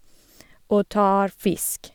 Og tar fisk.